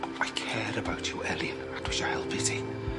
I care about you, Elin, a dwi isio helpu ti.